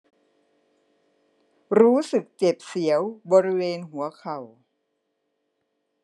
รู้สึกเจ็บเสียวบริเวณหัวเข่า